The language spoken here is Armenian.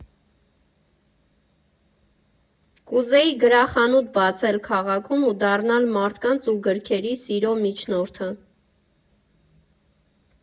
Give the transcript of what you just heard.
Կուզեի գրախանութ բացել քաղաքում ու դառնալ մարդկանց ու գրքերի սիրո միջնորդը։